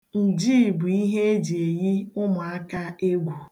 Njiii bụ ihe e ji eyi ụmụaka egwu.